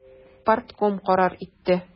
Партком карар итте.